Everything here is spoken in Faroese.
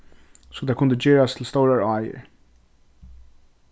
so teir kundu gerast til stórar áir